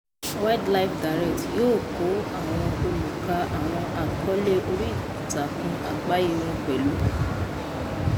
WildlifeDirect yóò kó àwọn olùkà àwọn àkọọ́lẹ̀ oríìtakùn àgbáyé wọn pẹ̀lú.